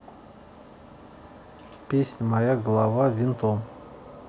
песня моя голова винтом